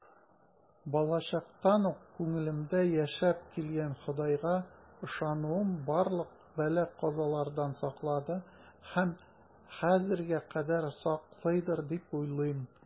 Балачактан ук күңелемдә яшәп килгән Ходайга ышануым барлык бәла-казалардан саклады һәм хәзергә кадәр саклыйдыр дип уйлыйм.